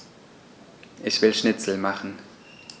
Ich will Schnitzel machen.